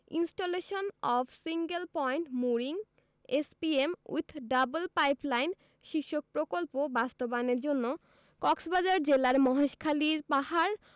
installation of single point mooring SPM with double pipeline শীর্ষক প্রকল্প বাস্তবায়নের জন্য কক্সবাজার জেলার মহেশখালীর পাহাড়